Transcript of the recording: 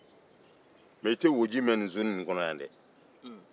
mɛ i tɛ woji mɛn nin zoni ninnu kɔnɔ yan dɛ